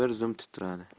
bir zum titradi